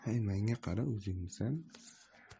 hay manga qara o'zingmisan